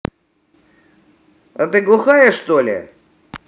а ты глухая что ли